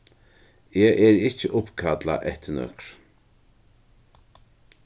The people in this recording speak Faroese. eg eri ikki uppkallað eftir nøkrum